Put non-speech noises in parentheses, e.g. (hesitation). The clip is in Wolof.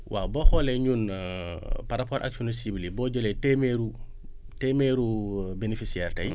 waaw boo xoolee ñun (hesitation) par rapport sunu cibles yi boo jëlee téeméeru téeméeru (hesitation) bénéficiares tey